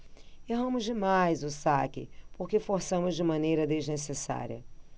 erramos demais o saque porque forçamos de maneira desnecessária